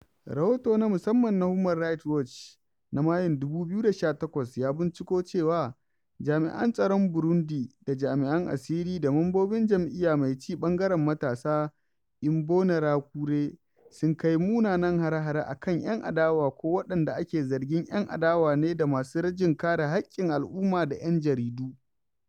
Rahoto na musamman na Human Right Watch na Mayun 2018 ya binciko cewa jami'an tsaron Burundi da jami'an asiri da mambobin jam'iyya mai ci ɓangaren matasa, Imbonerakure, sun kai munanan hare-hare a kan 'yan adawa ko waɗanda ake zargin 'yan adawa ne da masu rajin kare haƙƙin al'umma da 'yan jaridu.